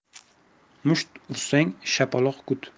musht ursang shapaloq kut